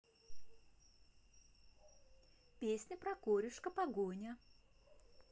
песня про корюшка погоня